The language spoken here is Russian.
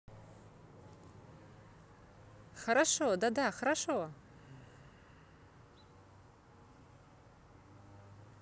хорошо да да хорошо